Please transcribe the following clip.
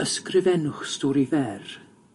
Ysgrifennwch stori fer